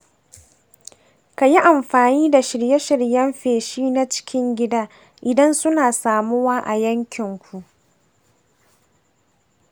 ka yi amfani da shirye-shiryen feshi na cikin gida idan suna samuwa a yankinku.